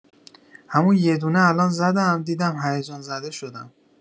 همون یدونه الان زدم دیدم هیجان‌زده شدم